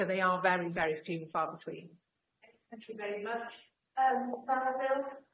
So they are very very few and far between.